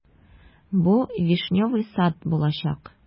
Бу "Вишневый сад" булачак.